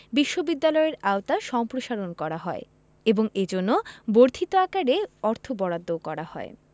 বিশ্ববিদ্যালয়ের আওতা সম্প্রসারণ করা হয় এবং এজন্য বর্ধিত আকারে অর্থ বরাদ্দও করা হয়